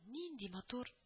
Нинди матур